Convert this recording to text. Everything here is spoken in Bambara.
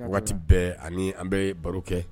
Waati bɛɛ ani an bɛ ye baro kɛ.